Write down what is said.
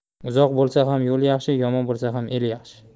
uzoq bo'lsa ham yo'l yaxshi yomon bo'lsa ham el yaxshi